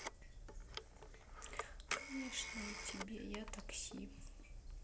конечно и тебе я такси